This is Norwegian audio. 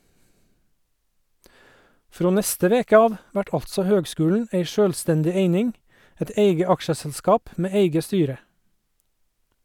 Frå neste veke av vert altså høgskulen ei sjølvstendig eining, eit eige aksjeselskap med eige styre.